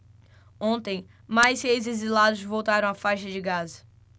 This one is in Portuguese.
ontem mais seis exilados voltaram à faixa de gaza